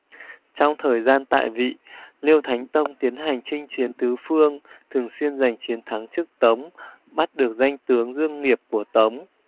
trong thời gian tại vị liêu thánh tông tiến hành chinh chiến tứ phương thường xuyên giành chiến thắng trước tống bắt được danh tướng dương nghiệp của tống